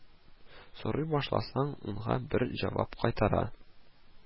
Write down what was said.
Сорый башласаң, унга бер җавап кайтара